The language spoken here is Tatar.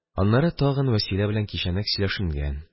Аннары тагын Вәсилә белән кичәнәк сөйләшенгән.